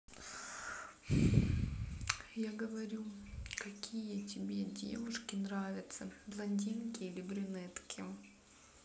я говорю какие тебе девушки нравятся блондинки или брюнетки